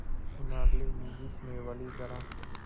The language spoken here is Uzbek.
hunarli yigit mevali daraxt